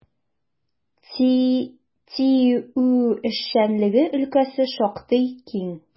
ТИҮ эшчәнлеге өлкәсе шактый киң.